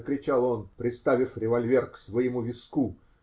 -- закричал он, приставив револьвер к своему виску.